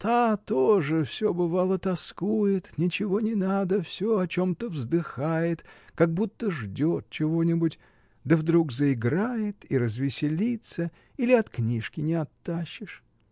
— Та тоже всё, бывало, тоскует, ничего не надо, всё о чем-то вздыхает, как будто ждет чего-нибудь, да вдруг заиграет и развеселится, или от книжки не оттащишь.